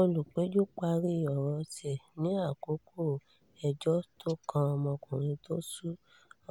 Olùpẹ̀jọ́ parí ọ̀rọ̀ tiẹ̀ ní àkókò ẹjọ́ tó kan ọmọkùnrin tó sun